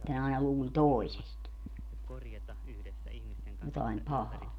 ne aina luuli toisesta jotakin pahaa